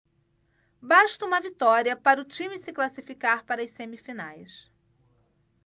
basta uma vitória para o time se classificar para as semifinais